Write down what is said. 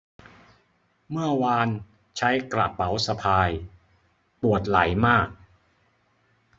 เมื่อวานใช้กระเป๋าสะพายปวดไหล่มาก